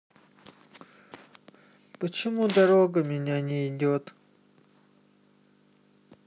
почему дорога меня не идет